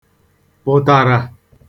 pụ̀tàrà